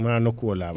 ma nokku o laaɓa